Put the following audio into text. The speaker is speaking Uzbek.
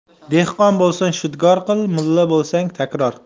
dehqon bo'lsang shudgor qil mulla bo'lsang takror qil